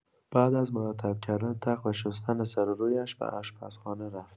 بعد از مرتب کردن تخت و شستن سر و رویش به آشپزخانه رفت.